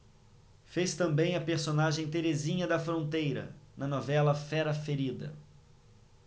fez também a personagem terezinha da fronteira na novela fera ferida